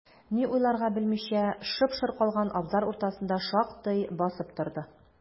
Ни уйларга белмичә, шып-шыр калган абзар уртасында шактый басып торды.